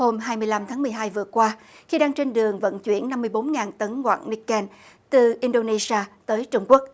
hôm hai mươi lăm tháng mười hai vừa qua khi đang trên đường vận chuyển năm mươi bốn ngàn tấn quặng ni ken từ in đô nê si a tới trung quốc